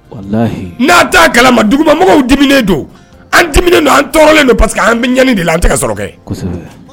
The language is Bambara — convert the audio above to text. Wallahi n'a t'a kalama, dugumamɔgɔw diminen do an diminen do, an tɔɔrɔlen de do parce que an bɛ ɲani de la an tɛ ka sɔrɔ kɛ. kosɛbɛ.